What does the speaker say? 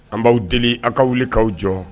An b'aw deli a ka wulikaw jɔ